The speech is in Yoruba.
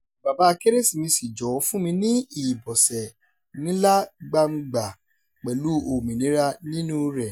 Bàba Kérésìmesì, jọ̀wọ́ fún mi ní ìbọsẹ̀ nílá gbàǹgbà pẹ̀lú òmìnira nínúu rẹ̀.